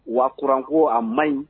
Wa kuranko a man ɲi